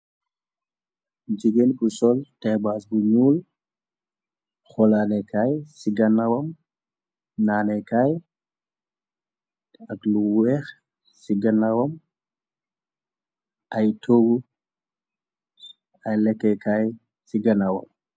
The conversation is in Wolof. Jigeen bu sol tebaas bu ñuul, xolaanekaay ci gannawam, naane kaay ak lu weex ci ganawam, ay tëwu ay lekkeekaay ci ganawam.